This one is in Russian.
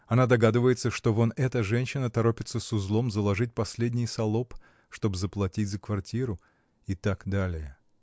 Она догадывается, что вон эта женщина торопится с узлом заложить последний салоп, чтоб заплатить за квартиру и т. д.